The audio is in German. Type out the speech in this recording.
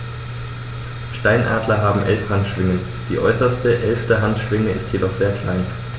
Steinadler haben 11 Handschwingen, die äußerste (11.) Handschwinge ist jedoch sehr klein.